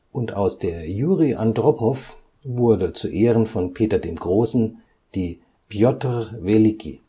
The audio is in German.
und aus der Juri Andropow wurde zu Ehren von Peter dem Großen die Pjotr Weliki